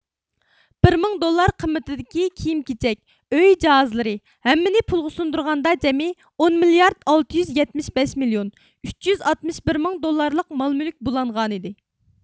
بىر مىڭ دوللار قىممىتىدىكى كىيىم كېچەك ئۆي جاھازلىرى ھەممىنى پۇلغا سۇندۇرغاندا جەمئىي ئون مىليارد ئالتە يۈز يەتمىش بەش مىليون ئۈچ يۈز ئاتمىش بىر مىڭ دوللارلىق مال مۈلۈك بۇلانغانىدى